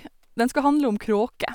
Den skal handle om kråker.